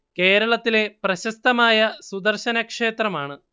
കേരളത്തിലെ പ്രശസ്തമായ സുദർശന ക്ഷേത്രം ആണ്